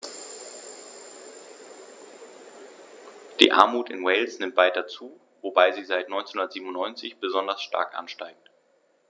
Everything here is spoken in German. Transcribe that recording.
Die Armut in Wales nimmt weiter zu, wobei sie seit 1997 besonders stark ansteigt.